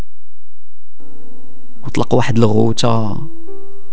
اطلق واحد لاغوسا